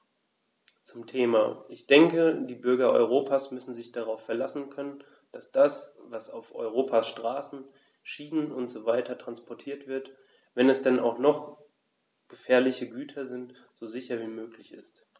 Zum Thema: Ich denke, die Bürger Europas müssen sich darauf verlassen können, dass das, was auf Europas Straßen, Schienen usw. transportiert wird, wenn es denn auch noch gefährliche Güter sind, so sicher wie möglich ist.